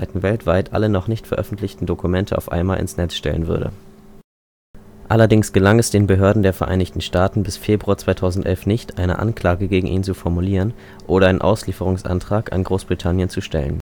weltweit alle noch nicht veröffentlichten Dokumente auf einmal ins Netz stellen würde. Allerdings gelang es den Behörden der Vereinigten Staaten bis Februar 2011 nicht, eine Anklage gegen ihn zu formulieren oder einen Auslieferungsantrag an Großbritannien zu stellen